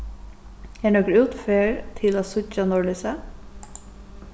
er nøkur útferð til at síggja norðlýsið